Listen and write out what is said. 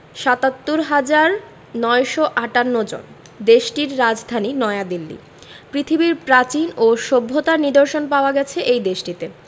৭৭ হাজার ৯৫৮ জনদেশটির রাজধানী নয়াদিল্লী পৃথিবীর প্রাচীন ও সভ্যতার নিদর্শন পাওয়া গেছে এ দেশটিতে